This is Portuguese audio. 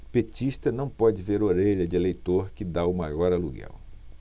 petista não pode ver orelha de eleitor que tá o maior aluguel